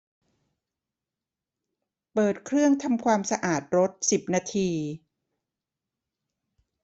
เปิดเครื่องทำความสะอาดรถสิบนาที